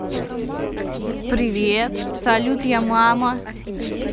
привет салют я мама